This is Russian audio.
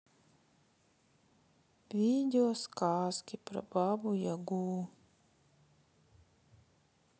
видео сказки про бабу ягу